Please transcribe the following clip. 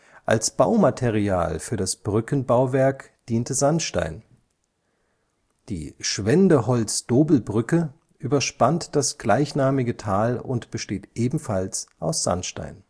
Als Baumaterial für das Brückenbauwerk diente Sandstein. Die Schwendeholzdobelbrücke überspannt das gleichnamige Tal und besteht ebenfalls aus Sandstein